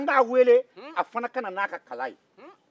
an k'a weele a fana ka na n'a ka kala ye